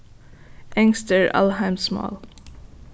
enskt er alheimsmál